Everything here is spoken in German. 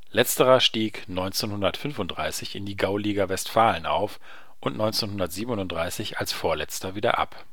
Letzterer stieg 1935 in die Gauliga Westfalen auf und 1937 als Vorletzter wieder ab